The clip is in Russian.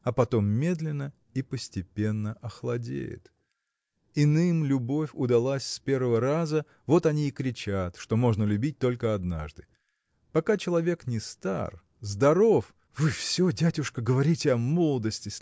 а потом медленно и постепенно охладеет. Иным любовь удалась с первого раза вот они и кричат что можно любить только однажды. Пока человек не стар, здоров. – Вы все дядюшка говорите о молодости